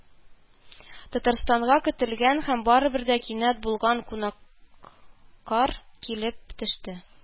Татарстанга көтелгән һәм барыбер дә кинәт булган кунак - кар килеп төште